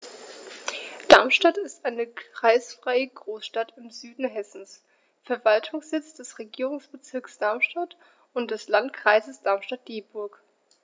Darmstadt ist eine kreisfreie Großstadt im Süden Hessens, Verwaltungssitz des Regierungsbezirks Darmstadt und des Landkreises Darmstadt-Dieburg.